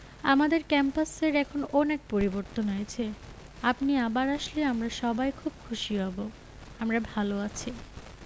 আমাদের ক্যাম্পাসের এখন অনেক পরিবর্তন হয়েছে আপনি আবার আসলে আমরা সবাই খুব খুশি হব আমরা ভালো আছি